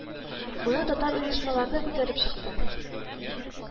Моны татар оешмалары да күтәреп чыкты